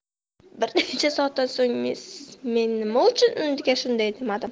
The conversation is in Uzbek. bir necha soatdan so'ng men nima uchun unga shunday demadim